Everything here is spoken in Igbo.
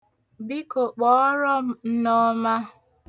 Biko, kpọọrọ m Nneọma.